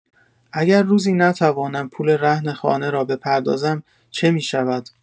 اگر روزی نتوانم پول رهن خانه را بپردازم، چه می‌شود؟